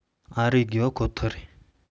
ཨ རིའི དགོས པ ཁོ ཐག རེད